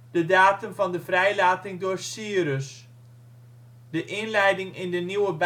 de datum van de vrijlating door Cyrus. De Inleiding in De Nieuwe